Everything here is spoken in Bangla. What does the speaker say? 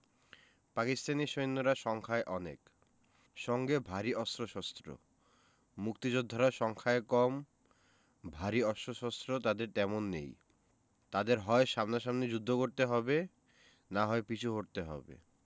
তিনি এক মুহূর্তও দেরি না করে চালাতে লাগলেন মেশিনগান পাকিস্তানি সৈন্যরা সংখ্যায় অনেক সঙ্গে ভারী অস্ত্রশস্ত্র মুক্তিযোদ্ধারা সংখ্যায় কম ভারী অস্ত্রশস্ত্র তাঁদের তেমন নেই তাঁদের হয় সামনাসামনি যুদ্ধ করতে হবে না হয় পিছু হটতে হবে